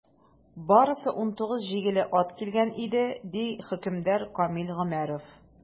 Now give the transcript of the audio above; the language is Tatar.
Барысы 19 җигүле ат килгән иде, - ди хөкемдар Камил Гомәров.